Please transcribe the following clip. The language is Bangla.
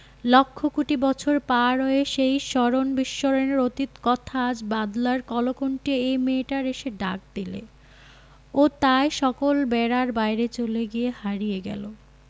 লক্ষ কোটি বছর পার হয়ে সেই স্মরণ বিস্মরণের অতীত কথা আজ বাদলার কলকণ্ঠে এই মেয়েটার এসে ডাক দিলে ও তাই সকল বেড়ার বাইরে চলে গিয়ে হারিয়ে গেল